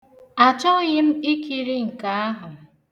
Achọghị m ikiri nke ahụ.